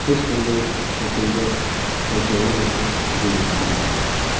hech qanday shaklda qaytarilmasin degan talabdir